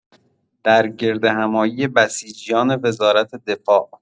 در گردهمایی بسیجیان وزارت دفاع